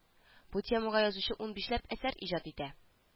Бу темага язучы унбишләп әсәр иҗат итә